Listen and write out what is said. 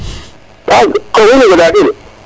a to wiin we ŋoda deno